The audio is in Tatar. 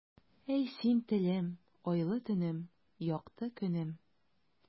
Әй, син, телем, айлы төнем, якты көнем.